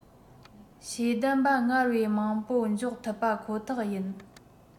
ཤེས ལྡན པ སྔར བས མང བ འཇོག ཐུབ པ ཁོ ཐག ཡིན